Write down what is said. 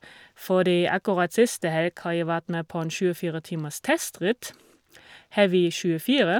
Fordi akkurat siste helg har jeg vært med på en tjuefiretimers testritt, Heavy 24.